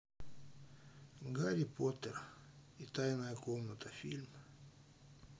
гарри поттер и тайная комната фильм